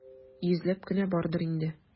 Йөзләп кенә бардыр инде.